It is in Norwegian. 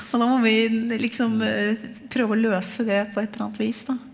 ja da må vi liksom prøve å løse det på ett eller annet vis da.